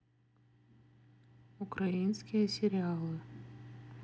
украинские сериалы